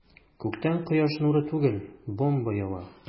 Күктән кояш нуры түгел, бомба ява.